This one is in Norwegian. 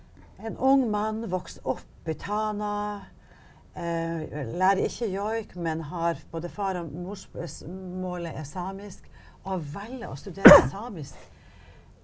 en ung mann vokser opp i tana lærer ikke joik, men har både far- og morsmålet er samisk og velger å studere samisk.